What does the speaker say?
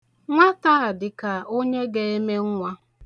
Nwata a dịka onye ga-eme nnwa.